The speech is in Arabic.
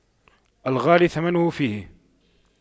الغالي ثمنه فيه